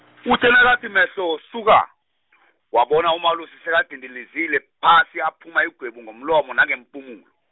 uthe nakathi mehlo suka, wabona uMalusi sekadindilizile phasi aphuma igwebu ngomlomo nangeempumulo.